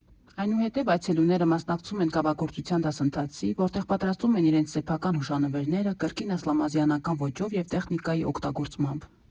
Այնուհետև այցելուները մասնակցում են կավագործության դասընթացի, որտեղ պատրաստում են իրենց սեփական հուշանվերները կրկին ասլամազյանական ոճով և տեխնիկայի օգտագործմամբ։